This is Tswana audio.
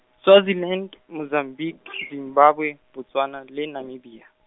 Swaziland, Mozambique, Zimbabwe, Botswana, le Namibia.